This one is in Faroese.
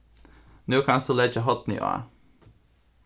nú kanst tú leggja hornið á